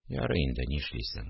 – ярый инде, нишлисең